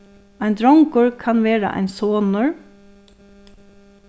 ein drongur kann vera ein sonur